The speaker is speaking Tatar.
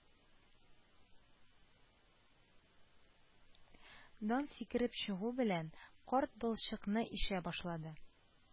Дан сикереп чыгу белән, карт балчыкны ишә башлады